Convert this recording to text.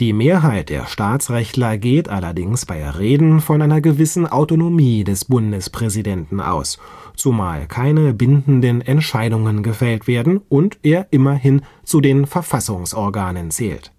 Mehrheit der Staatsrechtler geht allerdings bei Reden von einer gewissen Autonomie des Bundespräsidenten aus, zumal keine bindenden Entscheidungen gefällt werden und er immerhin zu den Verfassungsorganen zählt